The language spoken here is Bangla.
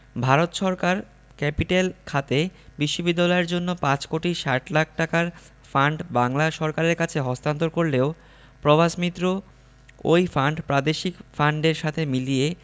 ভারত সরকার ক্যাপিটেল খাতে বিশ্ববিদ্যালয়ের জন্য ৫ কোটি ৬০ লাখ টাকার ফান্ড বাংলা সরকারের কাছে হস্তান্তর করলেও প্রভাস মিত্র ওই ফান্ড প্রাদেশিক ফান্ডেলর সাথে মিলিয়ে